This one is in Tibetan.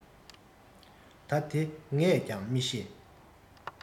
ད དེ ངས ཀྱང མི ཤེས